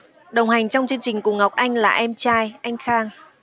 đồng hành trong chương trình cùng ngọc anh là em trai anh khang